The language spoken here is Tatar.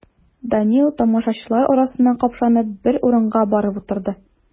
Данил, тамашачылар арасыннан капшанып, бер урынга барып утырды.